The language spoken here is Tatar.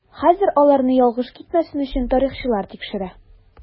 Хәзер аларны ялгыш китмәсен өчен тарихчылар тикшерә.